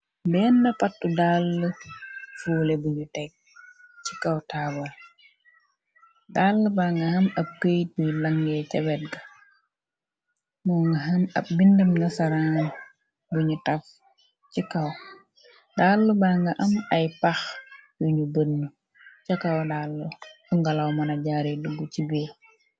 benn patu dall fuule buñu teg ci kaw taabal dall ba nga am ab këyt yu langee ca betga moo nga am ab bindëm na saranu buñu taf ci kaw dall ba nga am ay pax yuñu bënni ca kaw dall fungalaw mëna jaare duggu ci bee